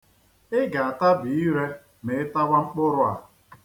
Ị ga-atabi ire ma Ị tawa mkpụrụ a.